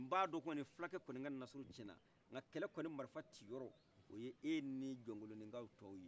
mba dɔn kɔni filakɛ kɔni ka nasururu tiyenna nka kɛlɛ marifa ci yɔrɔla o y'eni jɔkoloni ka tɔw ye